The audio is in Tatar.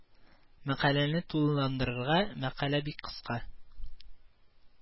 Мәкаләне тулыландырырга мәкалә бик кыска